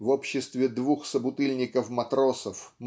в обществе двух собутыльников-матросов